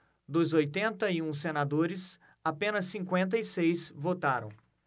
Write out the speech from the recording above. dos oitenta e um senadores apenas cinquenta e seis votaram